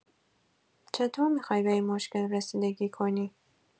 چطور می‌خوای به این مشکل رسیدگی کنی؟